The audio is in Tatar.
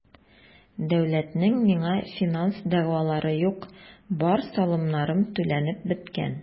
Дәүләтнең миңа финанс дәгъвалары юк, бар салымнарым түләнеп беткән.